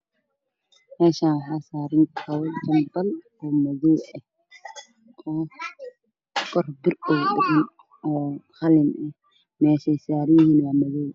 Meeshaan waxaa saaran kabo janbal madow eh oo kor bir uga dhagan oo qalin eh meeshay saaran yihiina waa madow.